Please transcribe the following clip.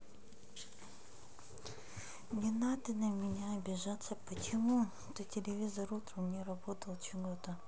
не надо на меня обижаться почему то телевизор утром не работал чего то